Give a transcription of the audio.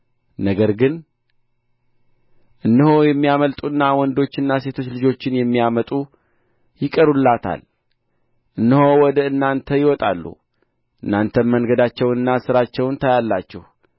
ነገር ግን እነሆ የሚያመልጡና ወንዶችና ሴቶች ልጆችን የሚያመጡ ይቀሩላታል እነሆ ወደ እናንተ ይወጣሉ እናንተም መንገዳቸውንና ሥራቸውን ታያላችሁ